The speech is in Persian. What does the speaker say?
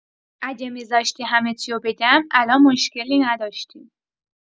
اگه میزاشتی همه چیو بگم الان مشکلی نداشتیم.